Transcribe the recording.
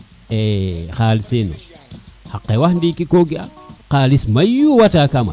e xalis fene a qewax ndiki ko ga a xalis mayu wata kamane